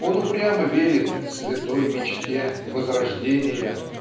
Он упрямо верит "святой мечте" возрождения